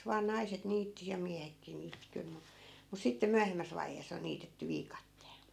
vain naiset niitti ja miehetkin niitti kyllä mutta mutta sitten myöhemmässä vaiheessa on niitetty viikatteella